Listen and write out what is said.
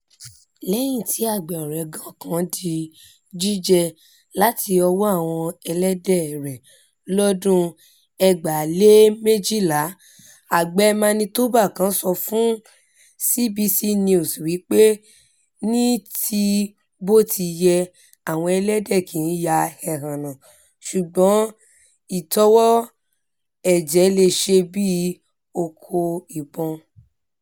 Lẹ́yìn tí àgbẹ̀ Oregon kan di jíjẹ tán láti ọwọ́ àwọn ẹlẹ́dẹ̀ rẹ̀ lọ́dún 2012, àgbẹ̀ Manitoba kan sọ fún CBC News wí pé níti bótiyẹ àwọn ẹlẹ́dẹ̀ kìí ya ẹhànnà ṣùgbọ́n ìtọ́wò ẹ̀jẹ̀ leè ṣe bíi ''okó ìbọn.''